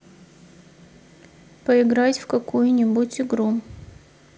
поиграть в какую нибудь игру